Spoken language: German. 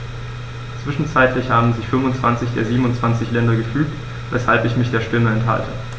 Zwischenzeitlich haben sich 25 der 27 Länder gefügt, weshalb ich mich der Stimme enthalte.